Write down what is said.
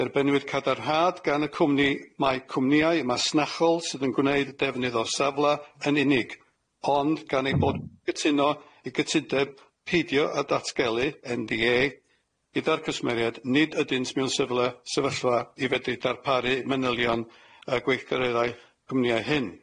Derbynnywyd cadarnhad gan y cwmni mai cwmnïau masnachol sydd yn gwneud defnydd o'r safle yn unig, ond gan eu bod yn cytuno y cytundeb peidio â datgelu En Dee Ay gyda'r cwsmeriaid nid ydynt mewn syfla sefyllfa i fedru darparu manylion y gweithgareddau cwmnïau hyn.